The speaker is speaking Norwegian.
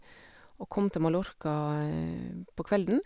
Og kom til Mallorca på kvelden.